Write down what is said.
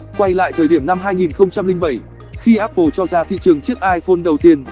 quay lại thời điểm năm khi apple cho ra thị trường chiếc iphone đầu tiên